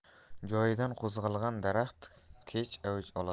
joyidan qo'zg'algan daraxt kech ayj olar